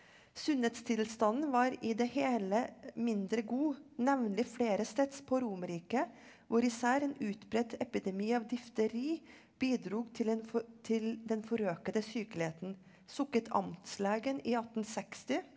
sunnhetstilstanden var i det hele mindre god, navnlig flere steds på Romerike, hvor især en utbredt epidemi av difteri bidro til en til den forøkede sykeligheten sukket amtslegen i attenseksti.